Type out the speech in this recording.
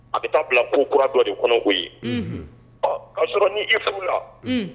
A bɛ taa bila ko kura dɔ de kɔnɔ koyi unhun ɔ k'a sɔrɔ ni i furu la unn